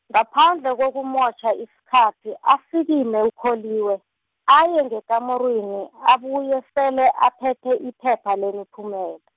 ngaphandle kokumotjha isikhathi, asikime uKholiwe, aye ngekamurini, abuye sele aphethe iphepha lemiphumela .